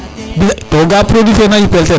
bilay to produit fe na yipel ten